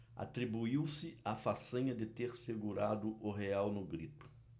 atribuiu-se a façanha de ter segurado o real no grito